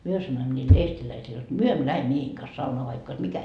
me sanoimme niille eestiläisille jotta me emme lähde miesten kanssa saunaan vaikka olisi mikä